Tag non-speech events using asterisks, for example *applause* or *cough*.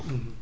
*hesitation* *hesitation*